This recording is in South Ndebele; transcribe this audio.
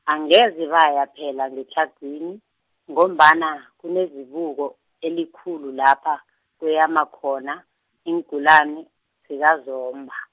angeze baya phela ngetlhagwini, ngombana kunezibuko elikhulu, lapha kweyama khona, iingulani, zikaZomba.